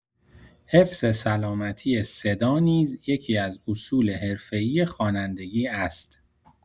حفظ سلامتی صدا نیز یکی‌از اصول حرفه‌ای خوانندگی است.